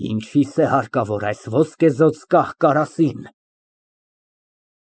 Ինչի՞ս է հարկավոր այս ոսկեզօծ կահկարասին։